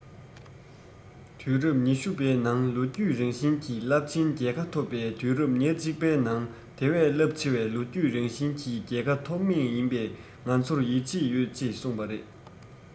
དུས རབས ཉི ཤུ བའི ནང ལོ རྒྱུས རང བཞིན གྱི རླབས ཆེན རྒྱལ ཁ ཐོབ པའི དུས རབས ཉེར གཅིག པའི ནང དེ བས རླབས ཆེ བའི ལོ རྒྱུས རང བཞིན གྱི རྒྱལ ཁ ཐོབ ངེས ཡིན པ ང ཚོར ཡིད ཆེས ཡོད ཅེས གསུངས པ རེད